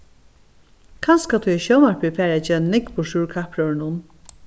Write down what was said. kanska tí at sjónvarpið er farið at gera nógv burturúr kappróðrinum